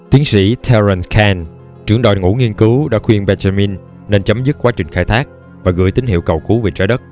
tiến sĩ terrence kyne trưởng đội ngũ nghiên cứu đã khuyên benjamin nên chấm dứt quá trình khai thác và gửi tín hiệu cầu cứu về trái đất